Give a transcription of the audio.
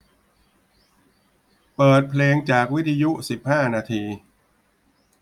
เปิดเพลงจากวิทยุสิบห้านาที